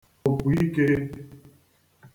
òpùikē